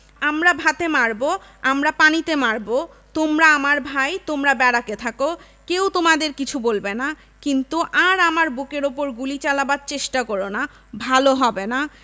আমরা ভাতে মারব আমরা পানিতে মারব তোমরা আমার ভাই তোমরা ব্যারাকে থাকো কেউ তোমাদের কিছু বলবে না কিন্তু আর আমার বুকের উপর গুলি চালাবার চেষ্টা করো না ভাল হবে না